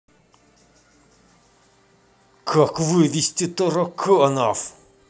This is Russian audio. как вывести тараканов